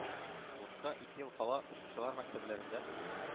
Сугышка ике ел кала очучылар мәктәпләрендә